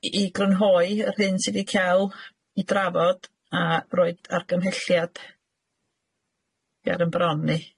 i- i grynhoi yr hyn sydd 'di ca'l 'i drafod a roid argymhelliad ger 'yn bron ni.